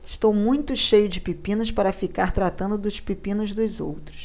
estou muito cheio de pepinos para ficar tratando dos pepinos dos outros